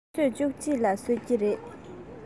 ཆུ ཚོད བཅུ གཅིག ལ གསོད ཀྱི རེད